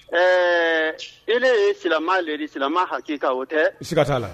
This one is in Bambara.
Ɛɛ i ne ye silamɛ le sila hakili ka o tɛ la